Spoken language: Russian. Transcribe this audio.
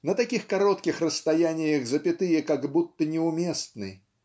На таких коротких расстояниях запятые как будто неуместны